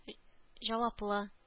Җаваплы